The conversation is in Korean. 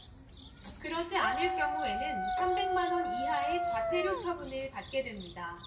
그러지 않을 경우에는 삼백 만 원 이하의 과태료 처분을 받게 됩니다